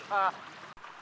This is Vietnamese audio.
ha